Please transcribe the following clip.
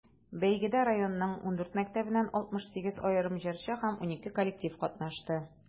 Бәйгедә районның 14 мәктәбеннән 68 аерым җырчы һәм 12 коллектив катнашты.